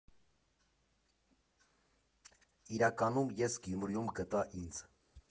Իրականում ես Գյումրիում գտա ինձ։